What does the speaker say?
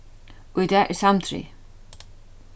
í dag er samdrigið